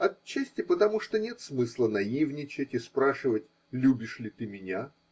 Отчасти потому, что нет смысла наивничать и спрашивать любишь ли ты меня?